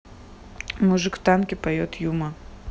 мужик в танке поет юма